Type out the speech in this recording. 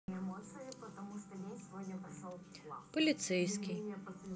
полицейский